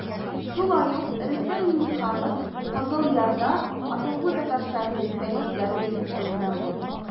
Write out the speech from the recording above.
Шулай ук Рөстәм Миңнеханов Кызыл Ярда атаклы татар шагыйре Фәнис Яруллин музеенда булды.